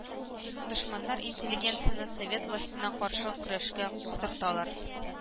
Дошманнар интеллигенцияне совет властена каршы көрәшкә котырталар